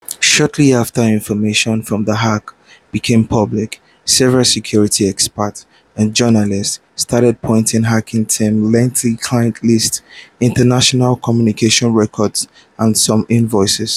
Shortly after information from the hack became public, several security experts and journalists started posting Hacking Team's lengthy client list, internal communications records, and some invoices.